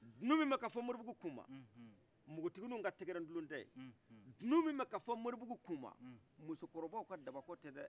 dunu min bɛ ka fɔ mɔribugu kuma mokotiginiw ka tɛkɛrɛ kulotɛ dunu min bɛ ka fɔmɔribugu kuma musokɔrɔbaw ka dabakɔ tɛ dɛ